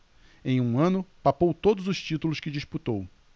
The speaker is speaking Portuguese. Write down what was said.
em um ano papou todos os títulos que disputou